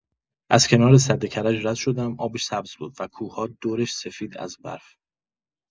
از کنار سد کرج رد شدم، آبش سبز بود و کوه‌ها دورش سفید از برف.